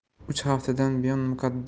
uch haftadan buyon